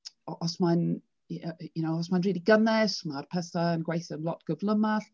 O os mae'n i- yy you know os mae'n rili gynnes, ma'r petha yn gweithio'n lot gyflymach.